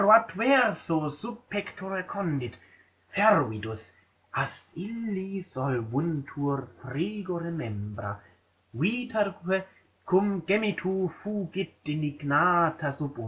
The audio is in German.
adverso sub pectore condit fervidus; ast illi solvuntur frigore membra vitaque cum gemitu fugit indignata sub umbras